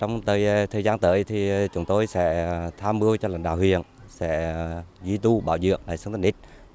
trong thời thời gian tới thì chúng tôi sẽ tham mưu cho lãnh đạo huyện sẽ duy tu bảo dưỡng lại sân te nít